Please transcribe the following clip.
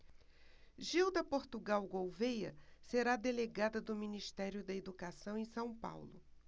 gilda portugal gouvêa será delegada do ministério da educação em são paulo